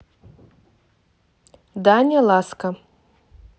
даня ласка